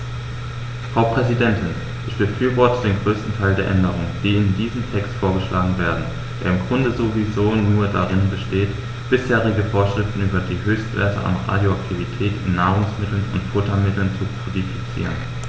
Frau Präsidentin, ich befürworte den größten Teil der Änderungen, die in diesem Text vorgeschlagen werden, der im Grunde sowieso nur darin besteht, bisherige Vorschriften über die Höchstwerte an Radioaktivität in Nahrungsmitteln und Futtermitteln zu kodifizieren.